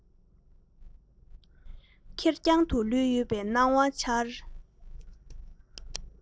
ཁེར རྐྱང དུ ལུས ཡོད པའི སྣང བ འཆར